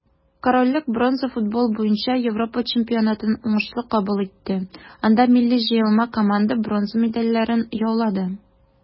Корольлек бронза футбол буенча Европа чемпионатын уңышлы кабул итте, анда милли җыелма команда бронза медальләрне яулады.